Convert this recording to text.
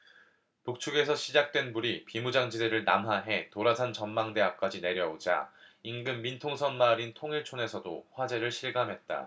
북측에서 시작된 불이 비무장지대를 남하해 도라산전망대 앞까지 내려오자 인근 민통선마을인 통일촌에서도 화재를 실감했다